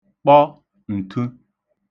kpọ nṫə